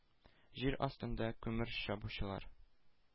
Җир астында күмер чабучылар,